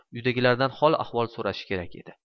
uydagilardan hol ahvol so'rashi kerak edi